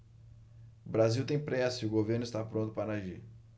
o brasil tem pressa e o governo está pronto para agir